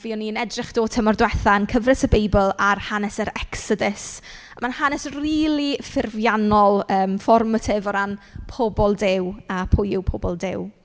Fuon ni'n edrych do tymor diwetha yn Cyfres y Beibl ar hanes yr Exodus, mae'n hanes rili ffurfiannol yym formative o ran pobl Duw a pwy yw pobl Duw.